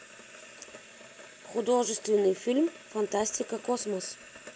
художественный фильм фантастика космос